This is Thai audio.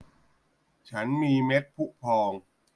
ฉันมีเม็ดพุพอง